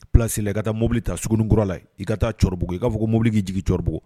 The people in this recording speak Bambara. Psila ka taa mobili ta surununikura la i ka taa c cɛkɔrɔbaugu i'a fɔ mobili'i jigin c cogo